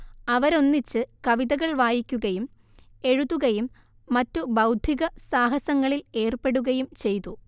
അവരൊന്നിച്ച് കവിതകൾ വായിക്കുകയും എഴുതുകയും മറ്റു ബൗദ്ധിക സാഹസങ്ങളിൽ ഏർപ്പെടുകയും ചെയ്തു